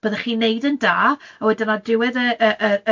Byddech chi'n wneud yn da, a wedyn ar diwedd y y y